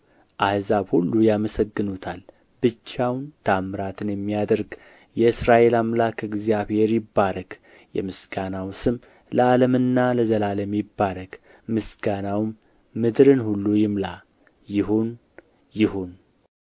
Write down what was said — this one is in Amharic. አሕዛብ ሁሉ በእርሱ ይባረካሉም አሕዛብ ሁሉ ያመሰግኑታል ብቻውን ተአምራትን የሚያደርግ የእስራኤል አምላክ እግዚአብሔር ይባረክ የምስጋናው ስም ለዓለምና ለዘላለም ይባረክ ምስጋናውም ምድርን ሁሉ ይምላ ይሁን ይሁን የእሴይ ልጅ የዳዊት መዝሙር ተፈጸመ